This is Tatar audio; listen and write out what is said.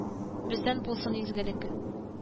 Бездән булсын изгелек